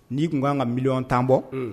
N'i tun kanan ka miɲɔgɔn tanbɔ